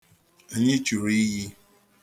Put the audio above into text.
Anyị churu iyi.